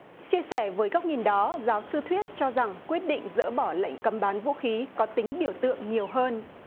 chia sẻ với góc nhìn đó giáo sư thuyết cho rằng quyết định dỡ bỏ lệnh cấm bán vũ khí có tính biểu tượng nhiều hơn